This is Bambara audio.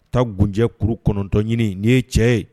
Ta gjɛ kuru kɔnɔntɔnɲini nin ye cɛ ye